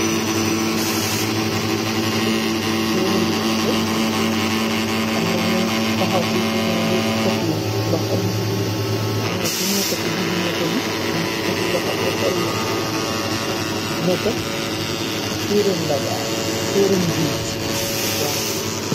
Mide téerum njiid amnañuy taxaw ci sur ñu ngi ekkati loxo amna ki nekk ci diggi mutobi mungi ekati loxo te sollu nete teerum la daar teerum jiit waa.